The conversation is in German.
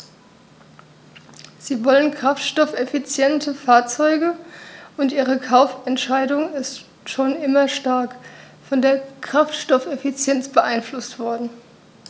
Sie wollen kraftstoffeffiziente Fahrzeuge, und ihre Kaufentscheidung ist schon immer stark von der Kraftstoffeffizienz beeinflusst worden.